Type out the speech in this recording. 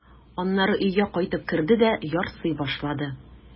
Аннары өйгә кайтып керде дә ярсый башлады.